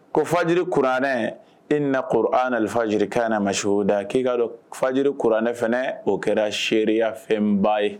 Ko faj kuranɛ i na ko an nalifaji na ma oda k'i kaa dɔn faji kuranɛ fana o kɛra seyafɛnba ye